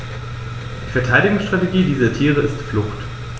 Die Verteidigungsstrategie dieser Tiere ist Flucht.